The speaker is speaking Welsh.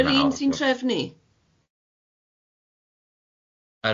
Yr un sy'n trefnu?